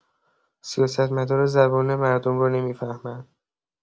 سیاستمدارا زبان مردم رو نمی‌فهمن.